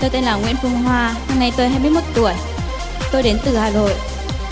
tôi tên là nguyễn phương hoa năm này tôi hai mươi mốt tuổi tôi đến từ hà nội